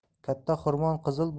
katta xirmon qizil